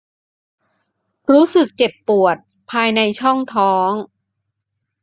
รู้สึกเจ็บปวดภายในช่องท้อง